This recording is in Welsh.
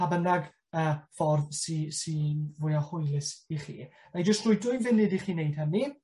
pa bynnag yy ffordd sy sy'n fwya hwylus i chi. Nâi jyst rhwy dwy funud i chi wneud hynny.